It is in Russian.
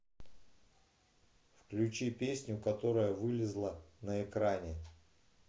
включи песню которая вылезла на экране